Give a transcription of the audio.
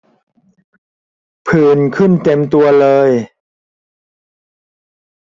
ผื่นขึ้นเต็มตัวเลย